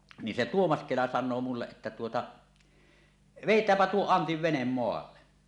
niin se Tuomas Kela sanoo minulle että tuota vedetäänpä tuo Antin vene maalle